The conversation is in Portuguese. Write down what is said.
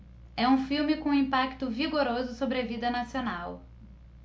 é um filme com um impacto vigoroso sobre a vida nacional